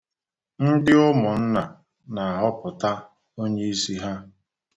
Ndị ụmụnna na-ahọpụta onyeisi ha.